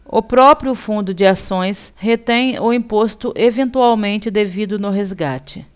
o próprio fundo de ações retém o imposto eventualmente devido no resgate